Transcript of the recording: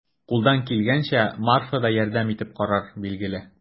Кулдан килгәнчә Марфа да ярдәм итеп карар, билгеле.